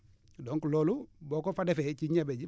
donc loolu boo ko fa defee ci ñebe ji